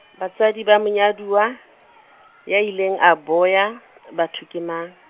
batswadi ba monyaduwa, ya ileng boya , batho ke mang?